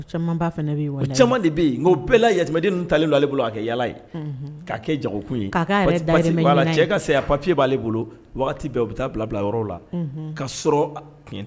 Bɛɛden' kɛ jakun ye' la cɛ ka saya papi b'ale bolo waati bɛɛ u bɛ taa bila bila yɔrɔ la ka sɔrɔ